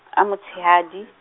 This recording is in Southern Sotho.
a motshehadi.